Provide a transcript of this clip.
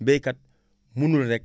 baykat mënul rek